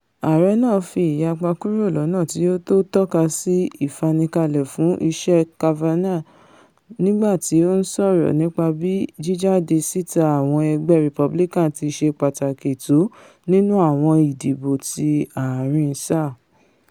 Ààrẹ náà fi ìyapa kuro lọ́nà tí ó tọ́ tọ́kasí ìfanikalẹ fún iṣẹ́ Kavanaugh nígbàti ó ńsọrọ nípa bí jíjáde síta àwọn ẹgbẹ́ Republican tiṣe pàtakì tó nínú àwọn ìdìbò ti ààrin-sáà.